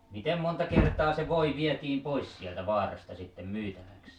miten monta kertaa se voi vietiin pois sieltä vaarasta sitten myytäväksi